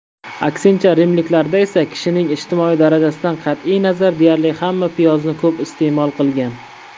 aksincha rimliklarda esa kishining ijtimoiy darajasidan qat'i nazar deyarli hamma piyozni ko'p iste'mol qilgan